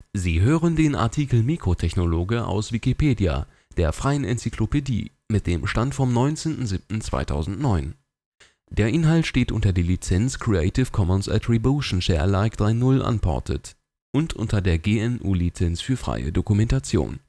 Sie hören den Artikel Mikrotechnologe, aus Wikipedia, der freien Enzyklopädie. Mit dem Stand vom Der Inhalt steht unter der Lizenz Creative Commons Attribution Share Alike 3 Punkt 0 Unported und unter der GNU Lizenz für freie Dokumentation